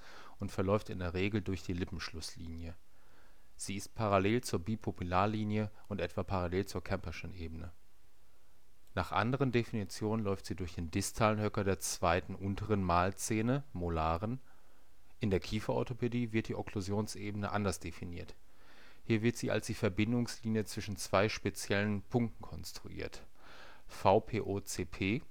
und verläuft in der Regel durch die Lippenschlusslinie. Sie ist parallel zur Bipupillarlinie und etwa parallel zur Camperschen Ebene. Nach anderen Definitionen läuft sie durch den distalen Höcker der zweiten unteren Mahlzähne (Molaren). In der Kieferorthopädie wird die Okklusionsebene anders definiert. Hier wird sie als die Verbindungslinie zwischen zwei speziellen Punkten konstruiert: vPOcP